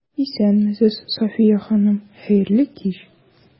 Исәнмесез, Сафия ханым, хәерле кич!